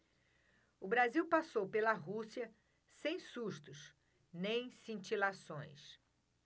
o brasil passou pela rússia sem sustos nem cintilações